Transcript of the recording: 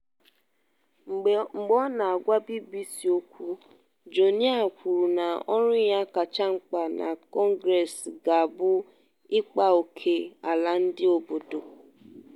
Mgbe ọ na-agwa BBC okwu, Joenia kwuru na ọrụ ya kacha mkpa na Congress ga-abụ ịkpa ókè ala ndị obodo.